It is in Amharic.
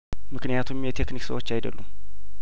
ምክንያቱም የቴክኒክ ሰዎች አይደሉም